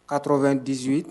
98